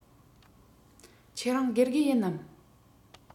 ཁྱེད རང དགེ རྒན ཡིན ནམ